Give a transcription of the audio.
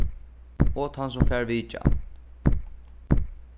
og tann sum fær vitjan